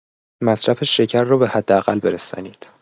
مصرف شکر را به حداقل برسانید.